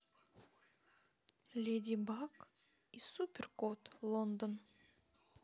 леди баг и супер кот лондон